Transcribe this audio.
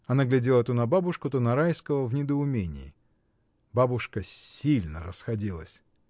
Она глядела, то на бабушку, то на Райского, в недоумении. Бабушка сильно расходилась.